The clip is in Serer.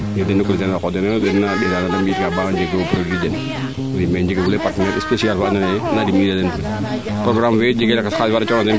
dena corriger ana qoox denoyo den na ndeetayo neede mbi it na baa njegolyo produit den i mais njega fule partenaire speciale faa ando naye ana dimle i daa denoyo progamme fe tam jegee lakas xalis faa de cooxna den